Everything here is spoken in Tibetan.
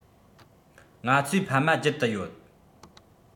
ང ཚོས ཕ མ རྒྱུད དུ ཡོད